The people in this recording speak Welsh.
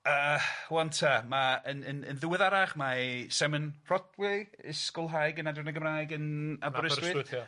Yy ŵan ta, ma' yn yn yn ddiweddarach, mae Simon Rodway, ysgolhaig yn Adran y Gymraeg yn Aberystwyth. Aberystwyth, ia.